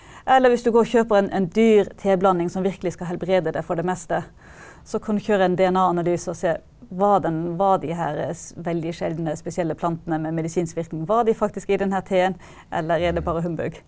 eller hvis du går og kjøper en en dyr teblanding som virkelig skal helbrede deg for det meste så kan du kjøre en DNA-analyse og se var den var de her veldig sjeldne spesielle plantene med medisinsk virkning, var de faktisk i den her teen, eller er det bare humbug.